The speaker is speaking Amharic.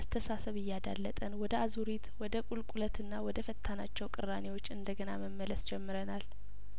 አስተሳሰብ እያዳ ለጠን ወደ አዙሪት ወደ ቁልቁለትና ወደ ፈታናቸው ቅራኔዎች እንደገና መመለስ ጀምረናል